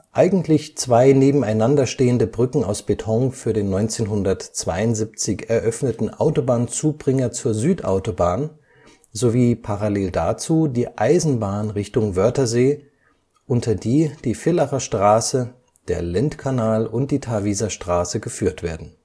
Eigentlich zwei nebeneinander stehende Brücken aus Beton für den 1972 eröffneten Autobahnzubringer zur Südautobahn sowie parallel dazu die Eisenbahn Richtung Wörthersee, unter die die Villacher Straße, der Lendkanal und die Tarviser Straße geführt werden